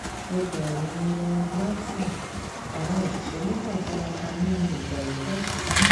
Ọgbà-ẹ̀wọ̀n Long Lartin: Àwọn òṣìṣẹ́ mẹ́fà farapa nínú ìdàrúdàpọ̀